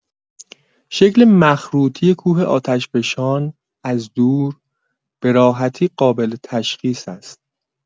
شکل مخروطی کوه آتشفشان از دور به راحتی قابل‌تشخیص است.